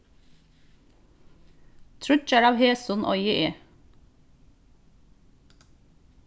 tríggjar av hesum eigi eg